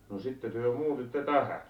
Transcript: no sitten te muutitte tähän